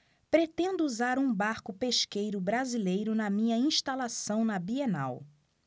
pretendo usar um barco pesqueiro brasileiro na minha instalação na bienal